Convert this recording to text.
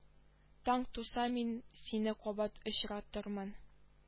Таң туса мин сине кабат очратырмын